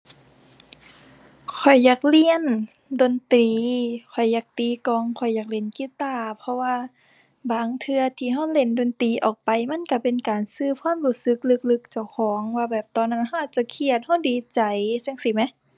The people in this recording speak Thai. ข้อยอยากเรียนดนตรี ข้อยอยากตีกลอง ข้อยอยากเล่นกีตาร์ เพราะว่าบางเทื่อที่เราเล่นดนตรีออกไปมันเราเป็นการสื่อความรู้สึกลึกลึกเจ้าของ ว่าแบบตอนนั้นเราอาจจะเครียด เราดีใจ จั่งซี้แหม